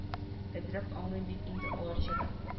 Әзрәк аңлыйм бит инде аларча да